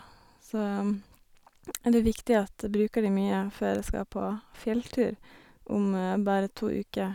Så er det viktig at jeg bruker de mye før jeg skal på fjelltur om bare to uker.